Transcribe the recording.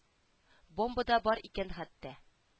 Бомба да бар икән хәтта